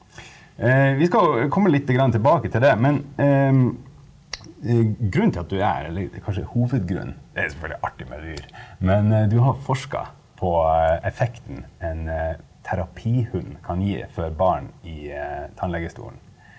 vi skal komme lite grann tilbake til det, men grunnen til at du er her eller kanskje hovedgrunnen, det er selvfølgelig artig med dyr, men du har forska på effekten en terapihund kan gi for barn i tannlegestolen.